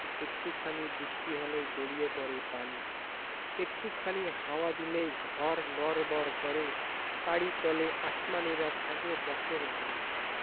একটু খানি বৃষ্টি হলেই গড়িয়ে পড়ে পানি একটু খানি হাওয়া দিলেই ঘর নড়বড় করে তারি তলে আসমানীরা থাকে বছর ভরে